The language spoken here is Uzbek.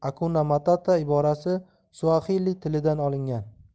matata iborasi suaxili tilidan olingan